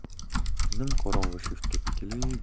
nimqorong'i shiftga tikilib